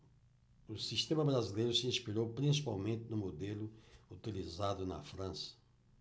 o sistema brasileiro se inspirou principalmente no modelo utilizado na frança